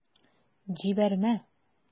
Җибәрмә...